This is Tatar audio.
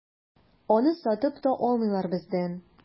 Аны сатып та алмыйлар бездән.